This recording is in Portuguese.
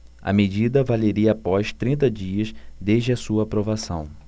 a medida valeria após trinta dias desde a sua aprovação